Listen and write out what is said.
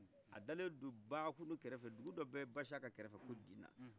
a dale do bakunu kɛrɛfɛ dugu dɔbe basaka kɛrɛfɛ ko dina